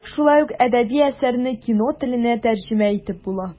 Нәкъ шулай ук әдәби әсәрне кино теленә тәрҗемә итеп булмый.